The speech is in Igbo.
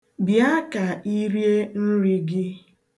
Bịa ka i rie nri gị.